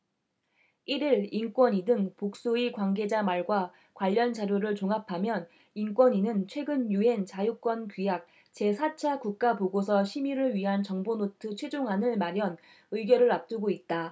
일 일 인권위 등 복수의 관계자 말과 관련 자료를 종합하면 인권위는 최근 유엔 자유권규약 제 사 차 국가보고서 심의를 위한 정보노트 최종안을 마련 의결을 앞두고 있다